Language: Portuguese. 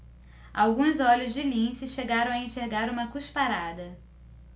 alguns olhos de lince chegaram a enxergar uma cusparada